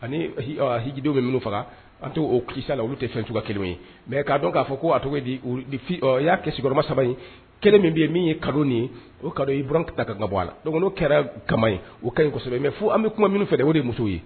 Anidenw bɛ minnu faga an tɛ o ki la olu tɛ fɛn cogoyaba kelen ye mɛ k' dɔn k'a fɔ ko tɔgɔ di y'a kɛ saba kelen min bɛ ye min ye ka nin ye o ka i b ta ka bɔ a la don' kɛra ka o mɛ fo an bɛ kuma minnu fɛ o de muso ye